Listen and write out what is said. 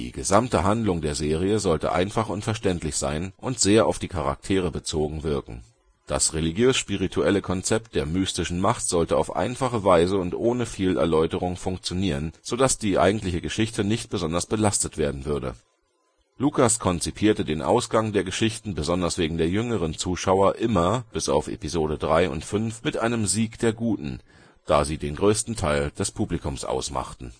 gesamte Handlung der Serie sollte einfach und verständlich sein und sehr auf die Charaktere bezogen wirken. Das religiös-spirituelle Konzept der mystischen Macht sollte auf einfache Weise und ohne viel Erläuterung funktionieren, sodass die eigentliche Geschichte nicht besonders belastet werden würde. Lucas konzipierte den Ausgang der Geschichten besonders wegen der jüngeren Zuschauer immer (bis auf Episode III und V) mit einem Sieg der Guten, da sie den größten Teil des Publikums ausmachten